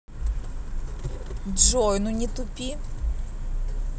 джой ну не тупи